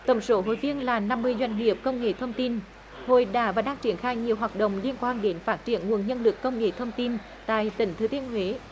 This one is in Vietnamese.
tổng số hội viên là năm mươi doanh nghiệp công nghệ thông tin hội đã và đang triển khai nhiều hoạt động liên quan đến phát triển nguồn nhân lực công nghệ thông tin tại tỉnh thừa thiên huế